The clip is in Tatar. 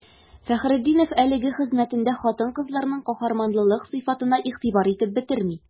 Фәхретдинов әлеге хезмәтендә хатын-кызларның каһарманлылык сыйфатына игътибар итеп бетерми.